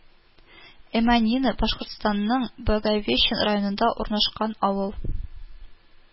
Эманино Башкортстанның Благовещен районында урнашкан авыл